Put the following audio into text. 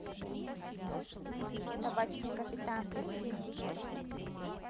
табачный капитан фильм